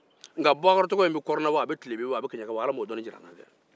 nka bakarri tɔgɔ in be kɔrɔn na wa a be tilebin wa ala m'o dɔnni jira an na